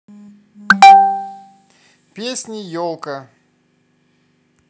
песни елка